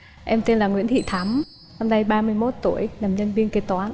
em tên là nguyễn thị thắm năm nay ba mươi mốt tuổi làm nhân viên kế toán